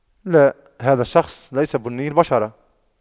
لا هذا الشخص ليس بني البشر